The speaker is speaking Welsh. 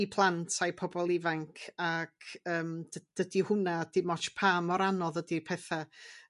'u plant a'u pobol ifanc ac yym d- dydi hwnna dim ots pa mor anodd ydi petha.